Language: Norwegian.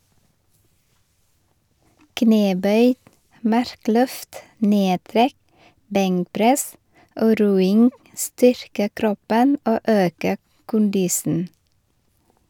Knebøy, markløft, nedtrekk, benkpress og roing styrker kroppen og øker kondisen.